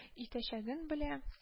Итәчәген белә